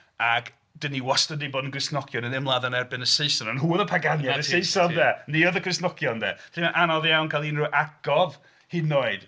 ...ag dan ni wastad 'di bod yn Gristnogion yn ymladd yn erbyn y Saeson. A nhw oedd y Paganiaid! Y Saeson de, ni oedd y Cristnogion de, felly mae'n anodd iawn cael unrhyw atgof, hyd yn oed.